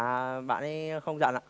dạ bạn ấy không giận ạ